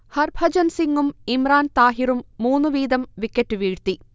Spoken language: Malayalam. ഹർഭജൻ സിങ്ങും ഇമ്രാൻ താഹിറും മൂന്ന് വീതം വിക്കറ്റ് വീഴ്ത്തി